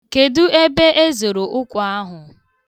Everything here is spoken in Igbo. Kedu ebe ezoro ụkwa ahụ?